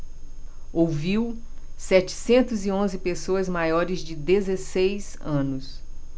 ouviu setecentos e onze pessoas maiores de dezesseis anos